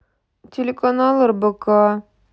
телеканал рбк